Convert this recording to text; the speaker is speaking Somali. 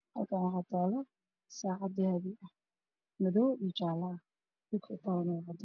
Halkaan waxaa ka muuqdo saacad midkeedu yahay madaw iyo jaale